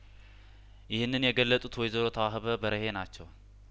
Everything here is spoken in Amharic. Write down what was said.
ይህንን የገለጡት ወይዘሮት ዋህ በበርሄ ናቸው